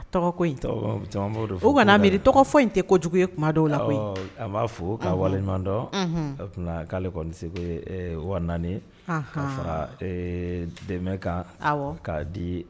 A tɔgɔ don fo kana'a miiri tɔgɔ fɔ in tɛ kojugu ye kuma dɔw la a b'a fɔ k ka waleɲumandɔn tun k'ale kɔni tɛ se wa k'a fara dɛmɛ kan k'a di